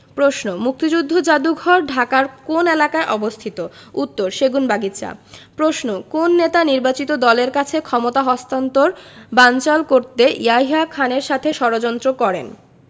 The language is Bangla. প্রশ্ন মুক্তিযুদ্ধ যাদুঘর ঢাকার কোন এলাকায় অবস্থিত উত্তরঃ সেগুনবাগিচা প্রশ্ন কোন নেতা নির্বাচিত দলের কাছে ক্ষমতা হস্তান্তর বানচাল করতে ইয়াহিয়া খানের সাথে ষড়যন্ত্র করেন